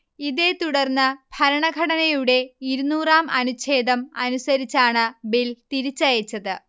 ഇതേ തുടർന്ന് ഭരണഘടനയുടെ ഇരുന്നൂറാം അനുഛേദം അനുസരിച്ചാണ് ബിൽ തിരിച്ചയച്ചത്